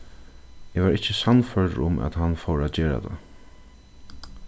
eg var ikki sannførdur um at hann fór at gera tað